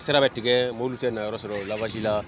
Sira bɛ tigɛ, mobile tɛ nayɔrɔ sɔrɔ lavage la.